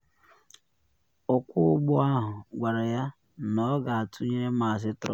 Ọkwọ ụgbọ ahụ gwara ya na ọ ga-atụnyere Maazị Trump.